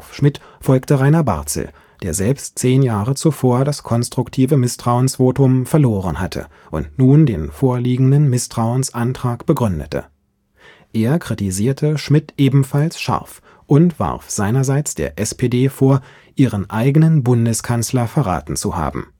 Schmidt folgte Rainer Barzel, der selbst zehn Jahre zuvor das konstruktive Misstrauensvotum verloren hatte und nun den vorliegenden Misstrauensantrag begründete. Er kritisierte Schmidt ebenfalls scharf und warf seinerseits der SPD vor, ihren eigenen Bundeskanzler verraten zu haben